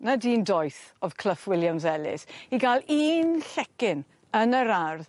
na dyn doeth o'dd Clough Williams-ellis i ga'l un llecyn yn yr ardd